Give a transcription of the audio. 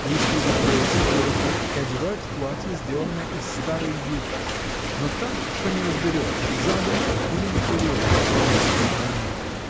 Ей стригут волосы коротко и одевают в платье, сделанное из старой юбки, но так, что не разберешь, задом или наперед сидело оно на ней